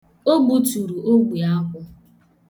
O gbuturu ogbe akwụ.